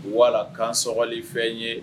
Wala kansɔgɔli fɛn ye